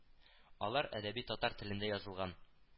Алар әдәби татар телендә язылган